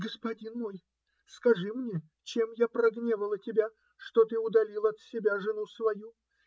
- Господин мой, скажи мне, чем я прогневала тебя, что ты удалил от себя жену свою?